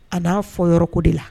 A n'a fɔ yɔrɔko de la